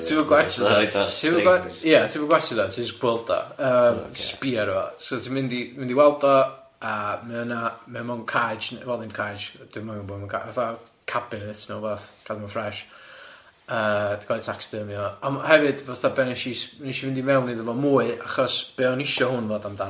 Na ti'm yn gwatsio o, ti'm yn gwa- ia ti'm yn gwatsio o, ti jyst gweld o, yy sbïa arno fo so ti'n mynd i mynd i weld o, a mae o yna mae o mewn caej ne- wel ddim caej dwi'm yn gwbod ma'n ca- fatha cabinet neu wbath cadw o'n fresh yy di cal i taxidermio ond hefyd fatha be' nes i s- nes i mynd i mewn iddo fo mwy achos be' o'n i isio hwn fod amdano the mermaids.